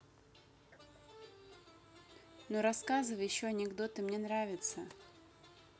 ну рассказывай еще анекдоты мне нравится